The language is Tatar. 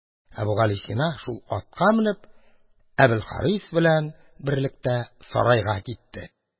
Әбүгалисина, шул атка менеп, Әбелхарис белән берлектә сарайга китте.